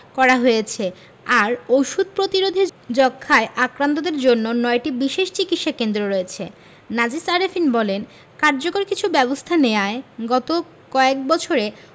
করা হয়েছে আর ওষুধ প্রতিরোধী যক্ষ্মায় আক্রান্তদের জন্য ৯টি বিশেষ চিকিৎসাকেন্দ্র রয়েছে নাজিস আরেফিন বলেন কার্যকর কিছু ব্যবস্থা নেয়ায় গত কয়েক বছরে